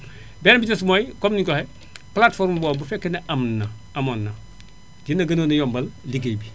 beneen bi ci des mooy comme ni nga ko waxee plateforme boobu bu fekkee ne am na amoon na dina gënoon a yombal ligéey bi